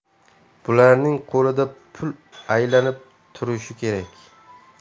bularning qo'lida pul aylanib turishi kerak